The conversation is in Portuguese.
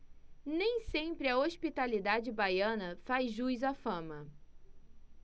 nem sempre a hospitalidade baiana faz jus à fama